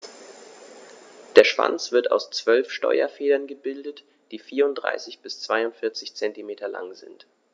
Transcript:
Der Schwanz wird aus 12 Steuerfedern gebildet, die 34 bis 42 cm lang sind.